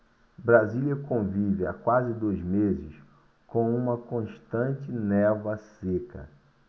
brasília convive há quase dois meses com uma constante névoa seca